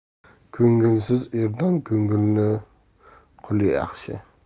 ko'ngilsiz erdan ko'ngilli qui yaxshi